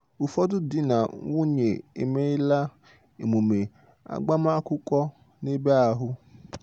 Ụfọdụ di na nwunye emeela emume agbamakwụkwọ n'ebe ahụ.